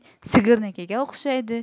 sigirnikiga o'xshaydi